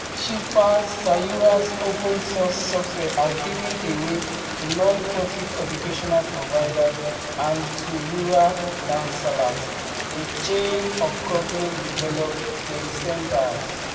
Shilpa Sayura's open-source software was given away to non-profit educational providers and to rural Nansalas, a chain of government-developed telecentres.